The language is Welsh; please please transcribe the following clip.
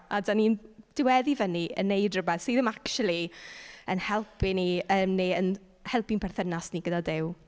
A dan ni'n diweddu fyny yn wneud rywbeth sydd ddim acshyli yn helpu ni yn i... yn helpu'n perthynas ni gyda Duw.